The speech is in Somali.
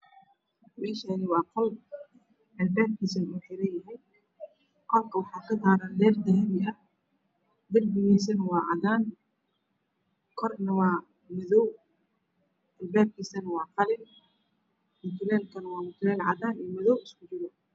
Meeshaani waa qol albaabkiisuna waa xiran yahay. Qolka waxaa kadaaran leyr dahabi ah, darbigiisuna waa cadaan, korna waa madow, albaabkiisuna waa qalin mutuleelkuna waa mutuleel madow iyo cadaan iskugu jira.